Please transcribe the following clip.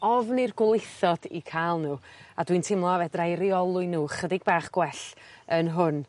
ofn i'r gwlithod'u ca'l n'w a dwi'n teimlo fedra i reoli n'w chydig bach gwell yn hwn.